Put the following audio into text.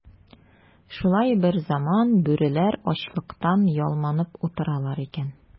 Шулай берзаман бүреләр ачлыктан ялманып утыралар икән.